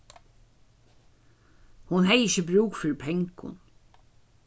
hon hevði ikki brúk fyri pengum